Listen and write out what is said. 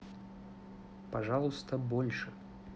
пожалуйста большое